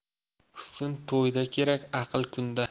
husn to'yda kerak aql kunda